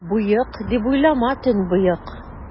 Боек, дип уйлама, төнбоек!